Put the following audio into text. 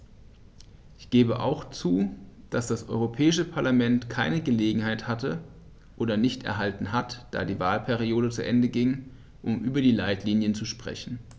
Ich gebe auch zu, dass das Europäische Parlament keine Gelegenheit hatte - oder nicht erhalten hat, da die Wahlperiode zu Ende ging -, um über die Leitlinien zu sprechen.